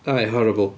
Aye horrible.